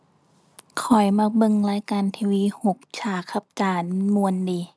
ข้อยมักเบิ่งรายการ TV หกฉากครับจารย์ ม่วนดี